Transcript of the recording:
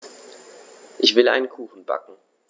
Ich will einen Kuchen backen.